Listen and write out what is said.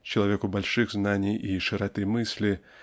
человеку больших знаний и широты мысли